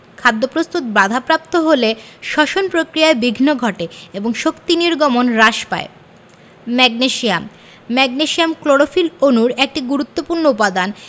খাদ্যপ্রস্তুত বাধাপ্রাপ্ত হলে শ্বসন প্রক্রিয়ায় বিঘ্ন ঘটে এবং শক্তি নির্গমন হ্রাস পায় ম্যাগনেসিয়াম ম্যাগনেসিয়াম ক্লোরোফিল অণুর একটি গুরুত্বপুর্ণ উপাদান